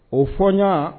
O fɔɲɔ